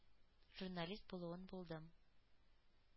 Журналист булуын булдым,